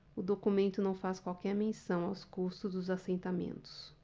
o documento não faz qualquer menção aos custos dos assentamentos